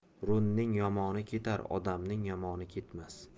running yomoni ketar odamning yomoni ketmas